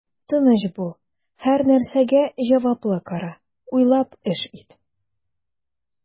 Тыныч бул, һәрнәрсәгә җаваплы кара, уйлап эш ит.